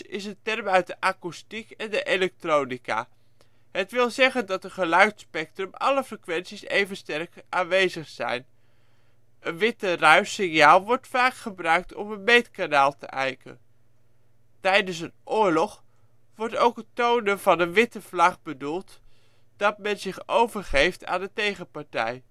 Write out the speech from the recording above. is een term uit de akoestiek en de elektronica. Het wil zeggen dat in een geluidsspectrum alle frequenties even sterk aanwezig zijn. Een witte ruis signaal wordt vaak gebruikt om een meetkanaal te ijken. Tijdens een oorlog wordt met het tonen van een witte vlag bedoeld dat men zich overgeeft aan de tegenpartij